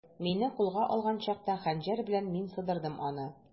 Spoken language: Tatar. Мине кулга алган чакта, хәнҗәр белән мин сыдырдым аңа.